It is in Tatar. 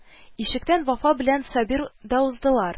Ишектән Вафа белән Сабир да уздылар